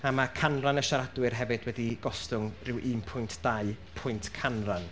a ma' canran y siaradwyr hefyd wedi gostwng ryw un pwynt dau pwynt canran.